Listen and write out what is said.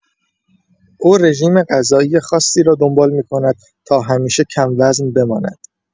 او رژیم‌غذایی خاصی را دنبال می‌کند تا همیشه کم‌وزن بماند.